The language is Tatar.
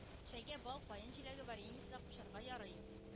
Чәйгә бал, каен җиләге вареньесы да кушарга ярый.